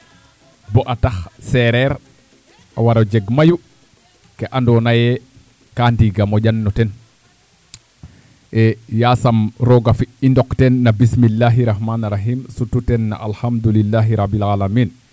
boo a tax seereer a war o jeg mayu ka andoona yee ka ndiig a moƴan no ten yaasam rog a fi' i ndok teen na bismilahi rakhamani rakhim sutu teen na Alkhadoulilahi rabil alamin